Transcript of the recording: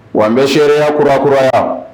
Wa n bɛ shɛya kurakuraya